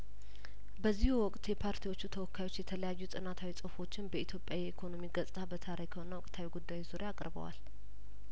በዚሁ ወቅት የፓርቲዎቹ ተወካዮች የተለያዩ ጽናታዊ ጹሁፎችን በኢትዮጵያ የኢኮኖሚ ገጽታ በታሪካዊና ወቅታዊ ጉዳዮች ዙሪያአቅርበዋል